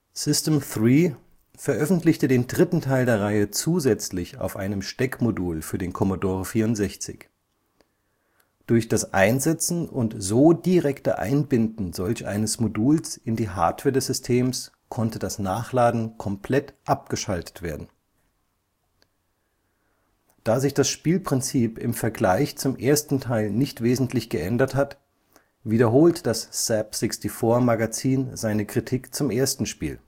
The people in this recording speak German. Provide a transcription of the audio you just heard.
System 3 veröffentlichte den dritten Teil der Reihe zusätzlich auf einem Steckmodul für den Commodore 64. Durch das Einsetzen und so direkte Einbinden solch eines Moduls in die Hardware des Systems konnte das Nachladen komplett abgeschaltet werden. Da sich das Spielprinzip im Vergleich zum ersten Teil nicht wesentlich geändert hat, wiederholt das ZZAP! -64-Magazins seine Kritik zum ersten Spiel